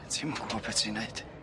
Ti'm yn gwbo be' ti'n neud.